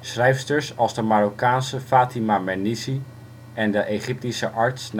Schrijfsters als de Marokkaanse Fatima Mernissi en de Egyptische arts